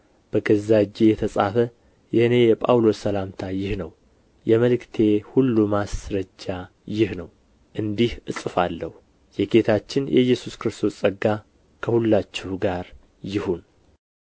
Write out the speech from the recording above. በገዛ እጄ የተጻፈ የእኔ የጳውሎስ ሰላምታ ይህ ነው የመልእክቴ ሁሉ ማስረጃ ይህ ነው እንዲህ እጽፋለሁ የጌታችን የኢየሱስ ክርስቶስ ጸጋ ከሁላችሁ ጋር ይሁን